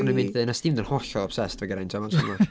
O'n i'n mynd i ddeud wnest ti fynd yn hollol obsessed efo Geraint Thomas.